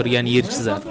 o'tirgan yer chizar